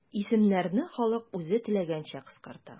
Исемнәрне халык үзе теләгәнчә кыскарта.